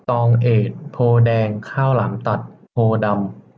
ตองเอดโพธิ์แดงข้าวหลามตัดโพธิ์ดำ